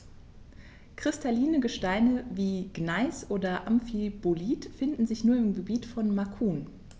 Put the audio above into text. Kristalline Gesteine wie Gneis oder Amphibolit finden sich nur im Gebiet von Macun.